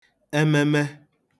ememe